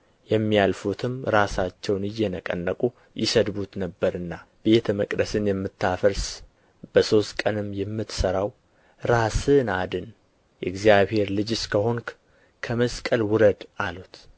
የሚያልፉትም ራሳቸውን እየነቀነቁ ይሰድቡት ነበርና ቤተ መቅደስን የምታፈርስ በሦስት ቀንም የምትሠራው ራስህን አድን የእግዚአብሔር ልጅስ ከሆንህ ከመስቀል ውረድ አሉት